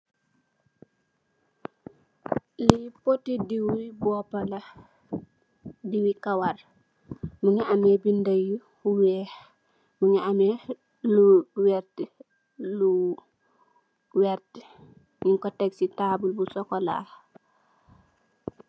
Li potti diw wi boppa la diw kawar mingi amme bind yu weex mingi amme lo wert nu ko teh ci taabal bu sokola.